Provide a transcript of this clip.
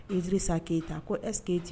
Iri sa k'yita ko ɛsseke' tɛ